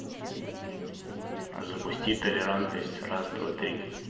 запусти толерантность раз два три